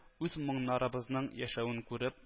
Үз моңнарыбызның яшәвен күреп